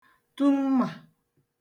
tu mmà